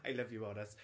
I love you, honest.